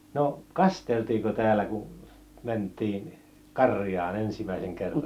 no kasteltiinko täällä kun mentiin karjaan ensimmäisen kerran